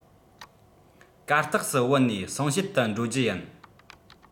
གར སྟེགས སུ བུད ནས གསུང བཤད དུ འགྲོ རྒྱུ ཡིན